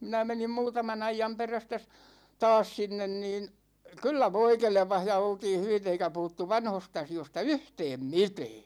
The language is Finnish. minä menin muutaman ajan perästä - taas sinne niin kyllä voi kelpasi ja oltiin hyvitty eikä puhuttu vanhoista asioista yhtään mitään